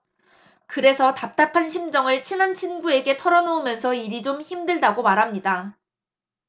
그래서 답답한 심정을 친한 친구에게 털어놓으면서 일이 좀 힘들다고 말합니다